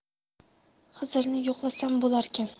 xizrni yo'qlasam bo'larkan